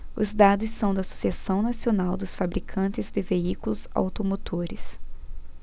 os dados são da anfavea associação nacional dos fabricantes de veículos automotores